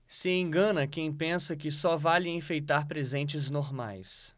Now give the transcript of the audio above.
se engana quem pensa que só vale enfeitar presentes normais